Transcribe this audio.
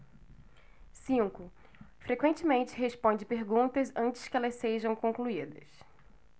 cinco frequentemente responde perguntas antes que elas sejam concluídas